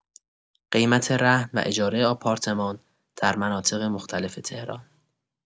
قیمت رهن و اجاره آپارتمان در مناطق مختلف تهران